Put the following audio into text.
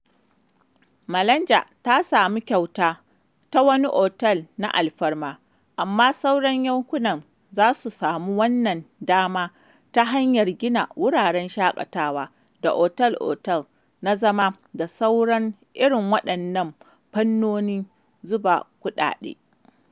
Malanje ta samu “kyauta” ta wani otal na alfarma, amma sauran yankunan za su samu wannan dama ta hanyar gina wuraren shaƙatawa da otal-otal na zama da sauran irin waɗannan fannonin zuba kuɗaɗe.